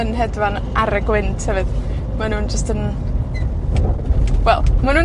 yn hedfan ar y gwynt, hefyd. Ma'n nw'n jyst yn, wel, ma' nw'n